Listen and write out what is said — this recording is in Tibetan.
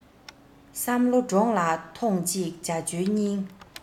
བསམ བློ འདྲོངས ལ ཐོངས ཤིག ཇོ ཇོའི སྙིང